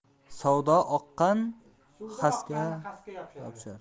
suvda oqqan xasga yopishar